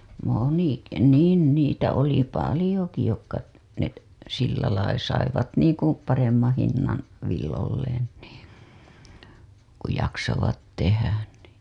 monikin niin niitä oli paljonkin jotka ne sillä lailla saivat niin kuin paremman hinnan villoilleen niin kun jaksoivat tehdä niin